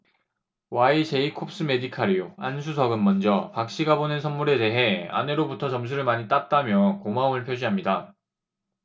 와이제이콥스메디칼이요 안 수석은 먼저 박 씨가 보낸 선물에 대해 아내로부터 점수를 많이 땄다며 고마움을 표시합니다